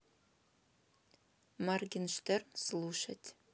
моргенштерн слушать